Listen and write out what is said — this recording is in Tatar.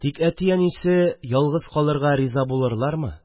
Тик әти-әнисе генә ялгыз калырга риза булырлармы